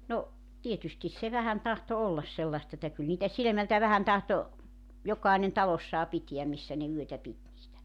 no tietysti se vähän tahtoi olla sellaista että kyllä niitä silmältä vähän tahtoi jokainen talossaan pitää missä ne yötä piti niitä